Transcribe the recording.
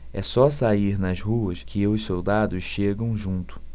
é só sair nas ruas que os soldados chegam junto